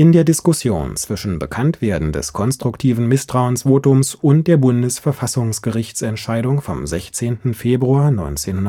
der Diskussion zwischen Bekanntwerden des konstruktiven Misstrauensvotums und der Bundesverfassungsgerichtsentscheidung vom 16. Februar 1983